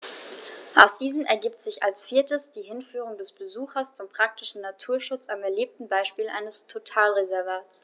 Aus diesen ergibt sich als viertes die Hinführung des Besuchers zum praktischen Naturschutz am erlebten Beispiel eines Totalreservats.